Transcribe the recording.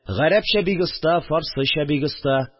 Гарәпчә бик оста, фарсыча бик оста